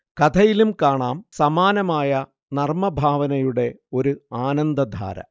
കഥയിലും കാണാം സമാനമായ നർമഭാവനയുടെ ഒരു ആനന്ദധാര